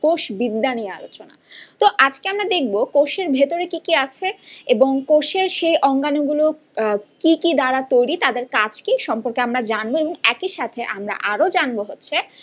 কোষ বিদ্যা নিয়ে আলোচনা তো আজকে আমরা দেখব কোষের ভেতরে কি কি আছে এবং কোষের সে অঙ্গানু গুলো কি কি দ্বারা তৈরি এবং তাদের কাজ কি এ সম্পর্কে আমরা জানবো এবং একই সাথে আমরা আরও জানব হচ্ছে